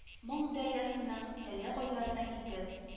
Моң дәрьясының әллә кайларына китеп